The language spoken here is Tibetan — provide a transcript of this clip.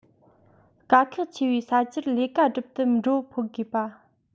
དཀའ ཁག ཆེ བའི ས ཆར ལས ཀ སྒྲུབ ཏུ འགྲོ ཕོད དགོས པ